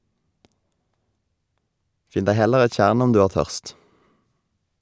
Finn deg heller et tjern om du er tørst.